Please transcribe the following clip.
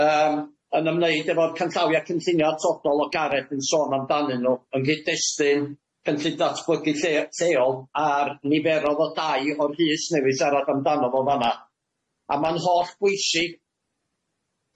yym yn ymwneud efo'r canllawia' cynllunio atodol o Gareth yn sôn amdanyn nw yn gyd-destun cynllun datblygu lle- lleol ar niferoedd o dai o'r Rhys newydd siarad amdano fo fan'na a ma'n holl bwysig